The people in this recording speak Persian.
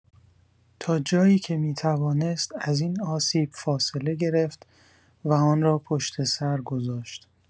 تا جایی که می‌توانست از این آسیب فاصله گرفت و آن را پشت‌سر گذاشت.